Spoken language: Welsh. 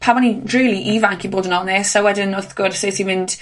Pam o'n i'n rili ifanc, i bod yn ones. A wedyn, wrth gwrs, lle ti mynd